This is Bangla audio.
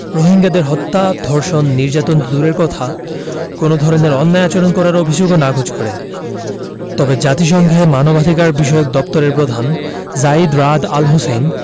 রোহিঙ্গাদের হত্যা ধর্ষণ নির্যাতন তো দূরের কথা কোনো ধরনের অন্যায় আচরণ করার অভিযোগও নাকচ করে তবে জাতিসংঘের মানবাধিকারবিষয়ক দপ্তরের প্রধান যায়িদ রাদ আল হোসেইন